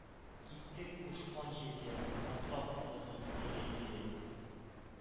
Китте кушкан җиргә, атлап адымын ире-ире;